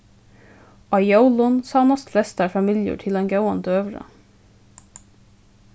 á jólum savnast flestar familjur til ein góðan døgurða